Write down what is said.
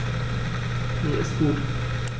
Mir ist gut.